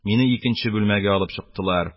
Мине икенче бүлмәгә алып чыктылар.